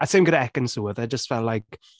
A same gyda Ekin-Su. Oedd e just fel like...